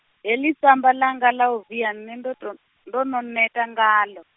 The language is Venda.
heḽi samba langa ḽa u via nṋe ndo to, ndo no neta ngaḽo.